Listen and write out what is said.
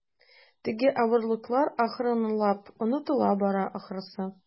Теге авырлыклар акрынлап онытыла бара, ахрысы.